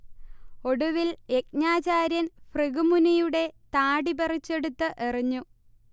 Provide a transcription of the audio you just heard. ഒടുവിൽ യജ്ഞാചാരൃൻ ഭൃഗുമുനിയുടെ താടി പറിച്ചെടുത്ത് എറിഞ്ഞു